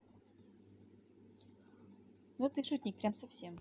ну ты шутник прям совсем